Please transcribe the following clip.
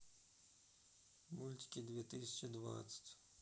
мультики две тысячи двадцать